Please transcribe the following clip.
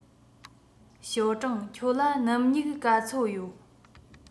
ཞའོ ཀྲང ཁྱོད ལ སྣུམ སྨྱུག ག ཚོད ཡོད